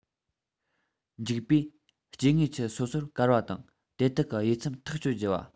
འཇིག པས སྐྱེ དངོས ཁྱུ སོ སོར བཀར པ དང དེ དག གི དབྱེ མཚམས ཐག གཅོད བགྱི བ